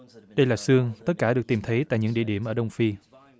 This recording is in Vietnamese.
đây là xương tất cả được tìm thấy tại nhửng địa điểm ở đông phi